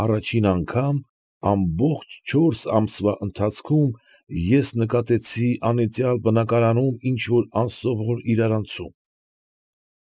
Առաջին անգամ ամբողջ չորս ամսվա ընթացքում, ես նկատեցի անիծյալ բնակարանում ինչ֊որ անսովոր իրարանցում։